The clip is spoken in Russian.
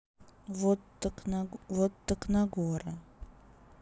вот так нагора